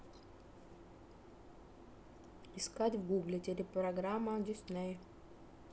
искать в гугле телепрограмма дисней